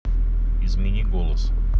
измени голос